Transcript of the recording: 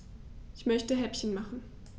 Ich möchte Häppchen machen.